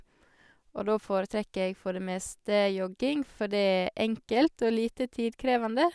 Og da foretrekker jeg for det meste jogging, for det er enkelt og lite tidkrevende.